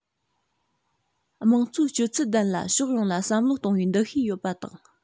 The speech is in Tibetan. དམངས གཙོའི སྤྱོད ཚུལ ལྡན ལ ཕྱོགས ཡོངས ལ བསམ བློ གཏོང བའི འདུ ཤེས ཡོད པ དང